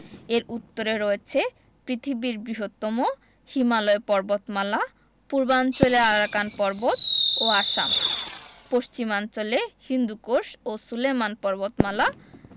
এর উত্তরে রয়েছে পৃথিবীর বৃহত্তম হিমালয় পর্বতমালা পূর্বাঞ্চলে আরাকান পর্বত ও আসাম পশ্চিমাঞ্চলে হিন্দুকুশ ও সুলেমান পর্বতমালা